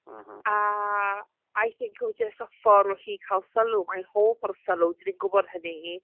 A I think it was just y ffordd o hi cael sylw. Mae hi'n hoff o'r sylw dan ni'n gwybod hynny.